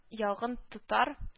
Ягын тотар